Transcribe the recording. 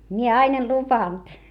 minä aina en luvannut